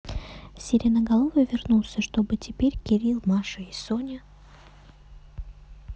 сиреноголовый вернулся чтобы теперь кирилл маша и соня